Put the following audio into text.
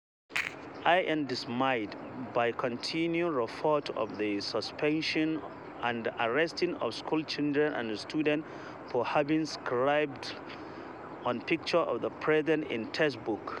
I am dismayed by continuing reports of the suspension and arrest of schoolchildren and students for having scribbled on pictures of the president in textbooks.